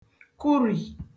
kụrì